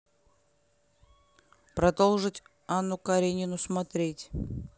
продолжить анну каренину смотреть